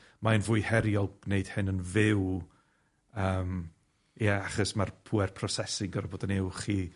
mae'n fwy heriol neud hyn yn fyw yym ie achos ma'r pŵer prosesu gorod bod yn uwch i